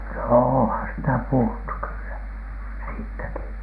no onhan sitä puhuttu kyllä siitäkin